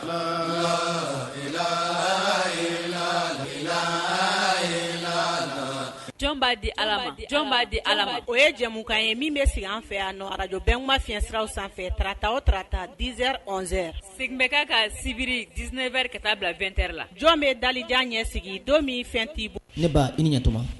Jɔn'a di jɔn di ala o ye jamumukan ye min bɛ sigi an fɛ yanrajjɔ bɛn ma fi fiɲɛyɛnsiraw sanfɛ tata o tata dz z segin bɛ ka ka sibiri ds neɛrɛri ka taa bila2t la jɔn bɛ dalijan ɲɛ sigi don min fɛn'i bɔ ne i ni ɲɛtuma